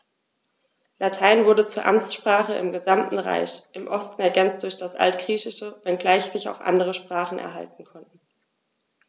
Latein wurde zur Amtssprache im gesamten Reich (im Osten ergänzt durch das Altgriechische), wenngleich sich auch andere Sprachen halten konnten.